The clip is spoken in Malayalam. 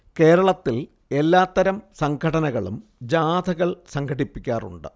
കേരളത്തിൽ എല്ലാ തരം സംഘടനകളും ജാഥകൾ സംഘടിപ്പിക്കാറുണ്ട്